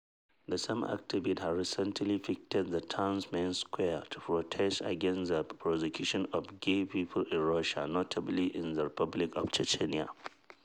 The same activists had recently picketed the town’s main square to protest against the persecution of gay people in Russia, notably in the republic of Chechnya.